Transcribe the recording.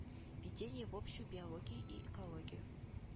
Введение в общую биологию и экологию